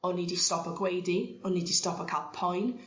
O'n i 'di stopo gwaedu o'n i 'di stopo ca'l poen.